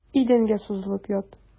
Идәнгә сузылып ят.